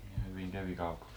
ja hyvin kävi kaupaksi